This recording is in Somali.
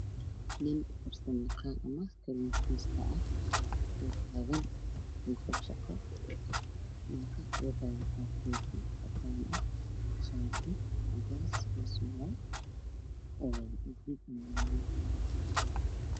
Waxaa ii muuqda nin wato dharka lagu shaqeeyo oo isku joog surwaalka iyo jaakada isku talanyihiin oo buluuga waxa uuna xirayaa wax u eg solar waxaana hortiisa ka muuqda gedo cagaaran